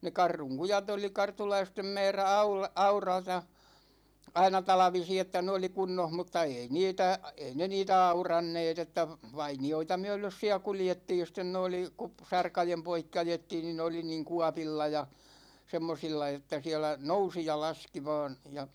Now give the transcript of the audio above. ne Kartun kujat oli kartulaisten määrä - aurata aina talvisin että ne oli kunnossa mutta ei niitä ei ne niitä auranneet että vainioita myöden siellä kuljettiin ja sitten ne oli - sarkojen poikki ajettiin niin ne oli niin kuopilla ja semmoisilla että siellä nousi ja laski vain ja